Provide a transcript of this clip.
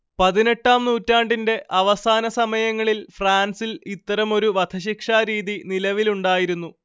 പതിനെട്ടാം നൂറ്റാണ്ടിന്റെ അവസാനസമയങ്ങളിൽ ഫ്രാൻസിൽ ഇത്തരമൊരു വധശിക്ഷാരീതി നിലവിലുണ്ടായിരുന്നു